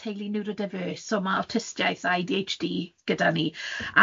teulu neurodiverse, so ma' awtistiaeth a ay dee aitch dee gyda ni